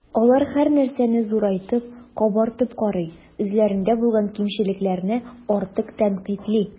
Алар һәрнәрсәне зурайтып, “кабартып” карый, үзләрендә булган кимчелекләрне артык тәнкыйтьли.